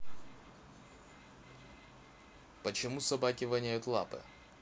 почему собаки воняют лапы